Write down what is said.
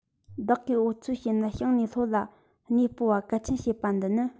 བདག གིས འོལ ཚོད བྱས ན བྱང ནས ལྷོ ལ གནས སྤོ བ གལ ཆེན བྱས པ འདི ནི